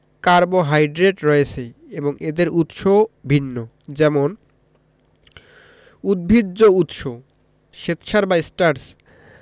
carbohydrate রয়েছে এবং এদের উৎসও ভিন্ন যেমন উদ্ভিজ্জ উৎস শ্বেতসার বা স্টার্চ